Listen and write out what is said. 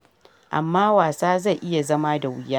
Amma wasa zai iya zama da wuya.